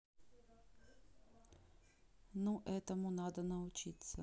ну этому надо научиться